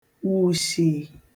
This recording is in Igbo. wùshì